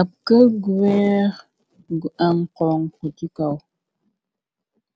ab kël gu weex gu am kong ko ci kaw